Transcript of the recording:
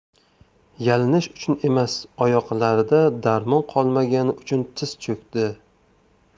yalinish uchun emas oyoqlarida darmon qolmagani uchun tiz cho'kdi